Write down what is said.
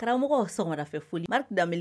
Karamɔgɔ sɔgɔma fɛ fɔli Marc DEMBELE